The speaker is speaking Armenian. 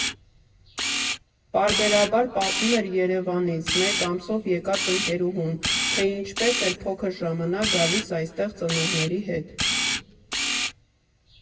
Պարբերաբար պատմում էր Երևանից մեկ ամսով եկած ընկերուհուն, թե ինչպես էր փոքր ժամանակ գալիս այստեղ ծնողների հետ։